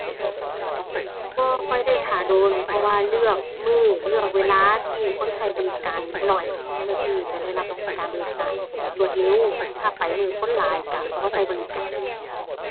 บ่ค่อยได้ท่าโดน เพราะว่าเลือกมื้อ เลือกเวลาที่คนใช้บริการน้อย เพื่อที่จะได้รับการบริการแบบรวดเร็ว ถ้าไปมื้อคนหลายก็บ่ก็บริการ